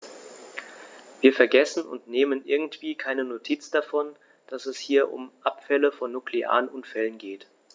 Wir vergessen, und nehmen irgendwie keine Notiz davon, dass es hier um Abfälle von nuklearen Unfällen geht.